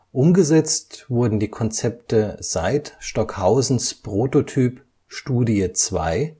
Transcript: Umgesetzt wurden die Konzepte seit Stockhausens Prototyp Studie II von 1954. Für einen